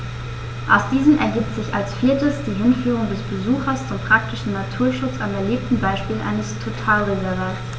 Aus diesen ergibt sich als viertes die Hinführung des Besuchers zum praktischen Naturschutz am erlebten Beispiel eines Totalreservats.